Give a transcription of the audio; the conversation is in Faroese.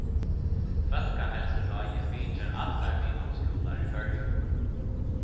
fólkaheilsuráðið vitjar allar miðnámsskúlar í føroyum